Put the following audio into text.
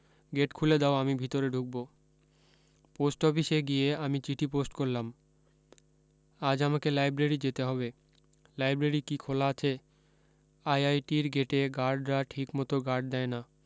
gate খুলে দাও আমি ভেতরে ঢুকবো পোস্ট অফিসে গিয়ে আমি চিঠি পোস্ট করলাম আজ আমাকে লাইব্রেরী যেতে হবে লাইব্রেরী কী খোলা আছে আই আই টির গেটে গারডরা ঠিক মতো গার্ড দেয় না